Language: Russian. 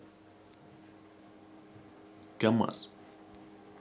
камаз